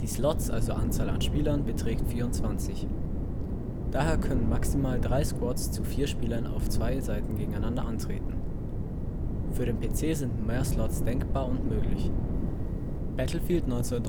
Die Slots, also Anzahl an Spielern, beträgt 24. Daher können max. 3 Squads zu 4 Spielern auf zwei Seiten gegeneinander antreten. Für den PC sind mehr Slots denkbar und möglich. Battlefield 1943